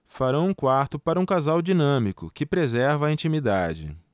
farão um quarto para um casal dinâmico que preserva a intimidade